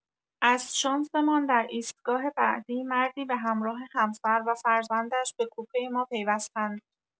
از شانسمان در ایستگاه بعدی مردی به همراه همسر و فرزندش به کوپه ما پیوستند.